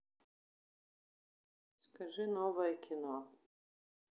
скажи новое кино